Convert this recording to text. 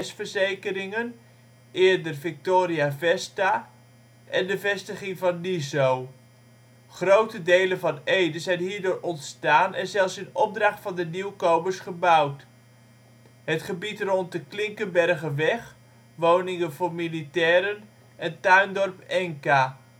Verzekeringen. (eerder Victoria vesta) de vestiging van het NIZO. Grote delen van Ede zijn hierdoor ontstaan en zelfs in opdracht van de nieuwkomers gebouwd (het gebied rond de Klinkenbergerweg (woningen voor militairen), tuindorp Enka